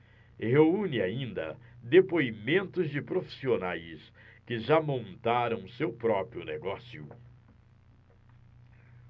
reúne ainda depoimentos de profissionais que já montaram seu próprio negócio